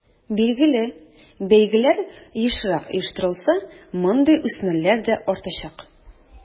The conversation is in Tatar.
Билгеле, бәйгеләр ешрак оештырылса, мондый үсмерләр дә артачак.